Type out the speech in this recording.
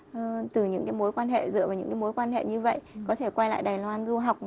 hơ từ những cái mối quan hệ dựa vào những cái mối quan hệ như vậy có thể quay lại đài loan du học